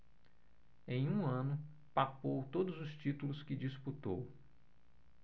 em um ano papou todos os títulos que disputou